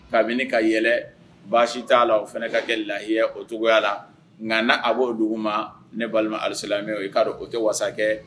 Kabini minɛ ka yɛlɛ baasi t'a la o fana ka kɛ lahiya ocogogo la nka n' a b' oo dugu ma ne balima alisala o'a dɔn o kɛ wa